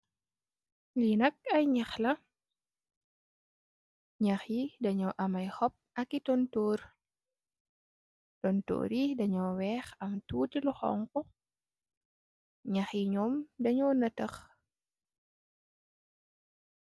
Li nak ay nhaax la nhaaxi de nyu ameh hoop ak tonturr tontur yi di nyu weex am tuti lu xonxa nhaaxi nyum deh nyu neeteh.